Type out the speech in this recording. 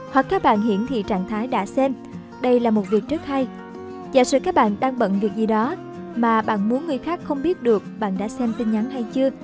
hoặc các bạn hiển thị trạng thái đã xem đây là việc rất hay giả sử các bạn đang bận việc gì đó mà bạn muốn người khác không biết được bạn đã xem tin nhắn hay chưa